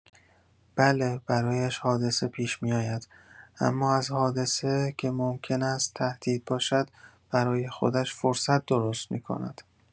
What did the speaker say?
بله برایش حادثه پیش می‌آید، اما از حادثه که ممکن است تهدید باشد برای خودش فرصت درست می‌کند.